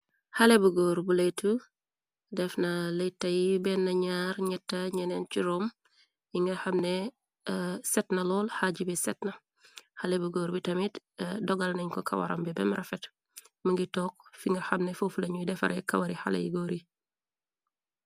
Xale bu góor bu leytu def na lëy ta yi benn ñaar ñetta ñeneen ci rom yi nga xamne set na lool xaaji bi setna xale bu góor bi tamit dogal nañ ko kawaram bi bem rafet mëngi toog fi nga xamne fouf lañuy defare kawari xale yi góor yi.